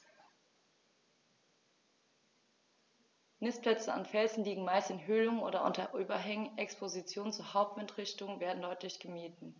Nistplätze an Felsen liegen meist in Höhlungen oder unter Überhängen, Expositionen zur Hauptwindrichtung werden deutlich gemieden.